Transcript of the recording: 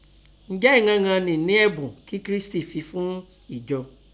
Nje ìghan hànín nẹ ẹ̀bun ki Kirisiti finfun Ìjọ